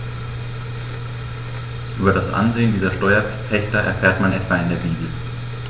Über das Ansehen dieser Steuerpächter erfährt man etwa in der Bibel.